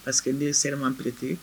Parceri que n' ye seerema pperete